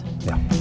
ja.